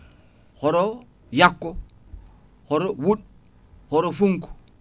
hoto yakko hoto wuɗɗu hoto funkku